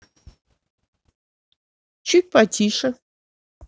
чуть потише